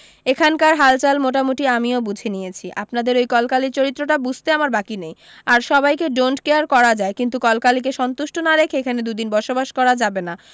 এখানকার হালচাল মোটামুটি আমিও বুঝে নিয়েছি আপনাদের ওই কলকালির চরিত্রটা বুঝতে আমার বাকী নেই আর সবাইকে ডোণ্ট কেয়ার করা যায় কিন্তু কলকালিকে সন্তুষ্ট না রেখে এখানে দুদিন বসবাস করা যাবে না